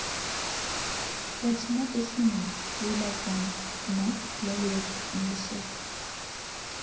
Բայց հիմա տեսնում են, որ լավ բան է՝ գնալ, լավ երաժշտություն լսել։